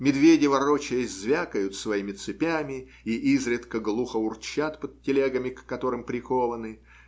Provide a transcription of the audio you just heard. медведи, ворочаясь, звякают своими цепями и изредка глухо урчат под телегами, к которым прикованы